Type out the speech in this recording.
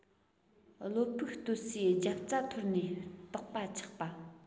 བློ ཕུགས གཏོད སའི རྒྱབ རྩ འཐོར ནས ལྟག པ ཆག པ